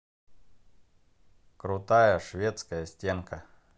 крутая шведская стенка